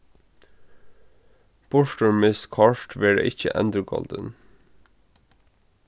burturmist kort verða ikki endurgoldin